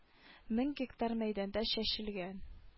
Мең гектар мәйданда чәчелгән